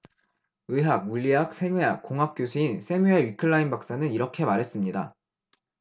의학 물리학 생의학 공학 교수인 새뮤얼 위클라인 박사는 이렇게 말했습니다